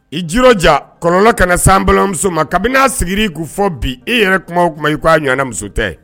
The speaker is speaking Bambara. I ji ja kɔlɔlɔnlɔ ka na san balimamuso ma ka bɛna n' a sigi i k'u fɔ bi e yɛrɛ kuma kuma i k'a ɲɔgɔnɛnɛ muso tɛ